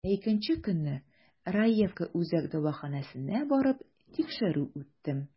Ә икенче көнне, Раевка үзәк дәваханәсенә барып, тикшерү үттем.